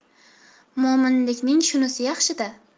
mo''minlikning shunisi yaxshi da